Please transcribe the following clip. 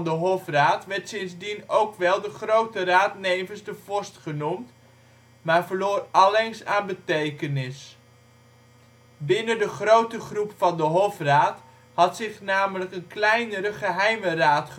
hofraad werd sindsdien ook wel de Grote Raad nevens de Vorst genoemd, maar verloor allengs aan betekenis. Binnen de grote groep van de hofraad had zich namelijk een kleinere Geheime Raad gevormd